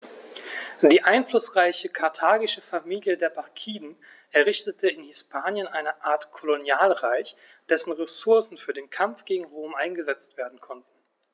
Die einflussreiche karthagische Familie der Barkiden errichtete in Hispanien eine Art Kolonialreich, dessen Ressourcen für den Kampf gegen Rom eingesetzt werden konnten.